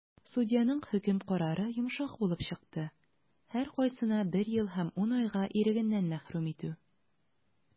Судьяның хөкем карары йомшак булып чыкты - һәркайсына бер ел һәм 10 айга ирегеннән мәхрүм итү.